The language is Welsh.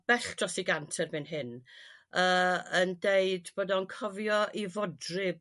bell dros 'i gant erbyn hyn yrr yn deud bod o'n cofio 'i fodryb